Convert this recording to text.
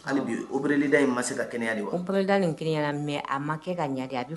Hali bi oblida in ma se ka kɛnɛya yepda nin kɛnɛya mɛ a ma kɛ ka ɲɛ